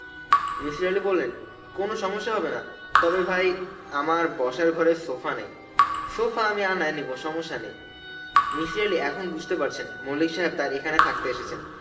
মিসির আলি বললেন কোন সমস্যা হবে না তবে ভাই আমার বসার ঘরের সোফা নাই সোফা আমি আনাইয়া নিব সমস্যা নাই মিসির আলি এখন বুঝতে পারছেন মল্লিক তার এখানে থাকতে এসেছেন